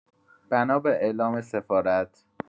بنا به اعلام سفارت